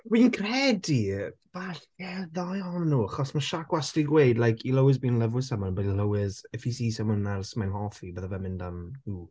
Fi'n credu fall- ie y ddau ohonyn nhw achos mae Shaq wastad 'di gweud like he'll always be in love with someone, but he'll always, if he sees someone else mae'n hoffi, bydde fe'n mynd am nhw.